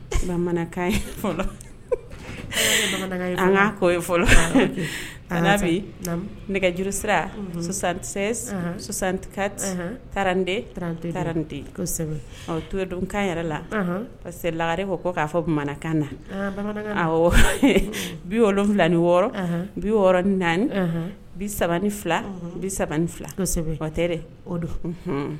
Bamanankan an kɔ fɔlɔ a bi nɛgɛjuru sirasantikatitete tora don kan yɛrɛ la parce que lagare ko kɔ'a fɔ bamanankan na bi wolo wolonwula ni wɔɔrɔ bi wɔɔrɔ ni naani bi ni fila bi fila